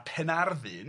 a Penarddun.